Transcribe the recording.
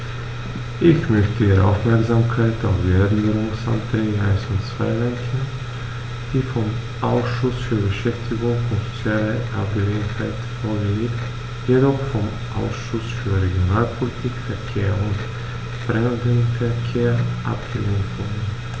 Ich möchte Ihre Aufmerksamkeit auf die Änderungsanträge 1 und 2 lenken, die vom Ausschuss für Beschäftigung und soziale Angelegenheiten vorgelegt, jedoch vom Ausschuss für Regionalpolitik, Verkehr und Fremdenverkehr abgelehnt wurden.